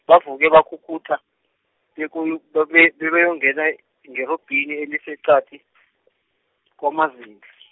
bavuke bakhukhutha bekuyo- bekube bebeyongena ngerubhini eliseqadi , kwamazindla.